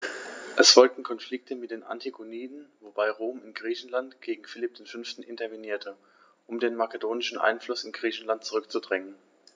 Es folgten Konflikte mit den Antigoniden, wobei Rom in Griechenland gegen Philipp V. intervenierte, um den makedonischen Einfluss in Griechenland zurückzudrängen.